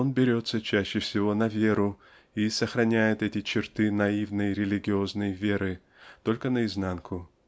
он берется чаще всего на веру и сохраняет эти черты наивной религиозной веры только наизнанку